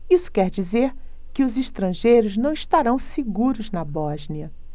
isso quer dizer que os estrangeiros não estarão seguros na bósnia